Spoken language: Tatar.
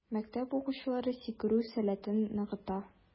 Мәктәп укучылары сикерү сәләтен ныгыта.